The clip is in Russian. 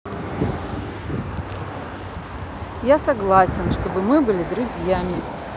я согласен чтобы мы были друзьями